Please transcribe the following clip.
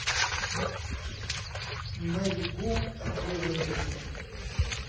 mary gu отрезали косички